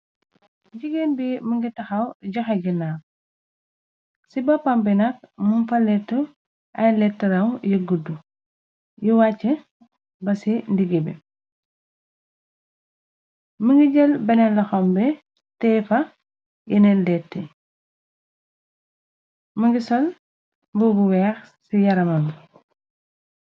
jigéen bi mëngi taxaw joxe ginna ci boppampi nak mun faleetu ay lettraw yi guddu yu wàcce ba ci ndigi bi më ngi jël beneen laxambe teefa yeneen letti më ngi sol bobu weex ci yaramamb